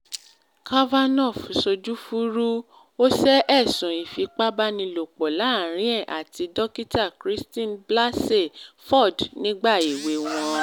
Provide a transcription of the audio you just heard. Kavanaugh ṣojú fuúrú, ó sẹ́ ẹ̀sùn ìfipábánilopò láàrin ẹ̀ àti Dókítà Christine Blasey Ford nígbà èwe wọn.